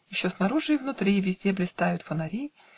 Еще снаружи и внутри Везде блистают фонари